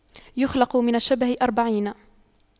يخلق من الشبه أربعين